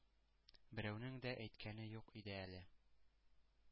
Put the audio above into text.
Берәүнең дә әйткәне юк иде әле.